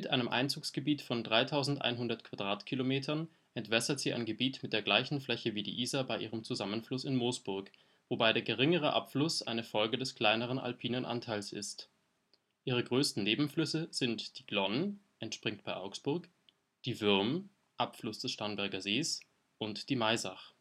einem Einzugsgebiet von 3100 km² entwässert sie ein Gebiet mit der gleichen Fläche wie die Isar bei ihrem Zusammenfluss in Moosburg, wobei der geringere Abfluss eine Folge des kleineren alpinen Anteils ist. Ihre größten Nebenflüsse sind die Glonn (entspringt bei Augsburg), die Würm (Abfluss des Starnberger Sees) und die Maisach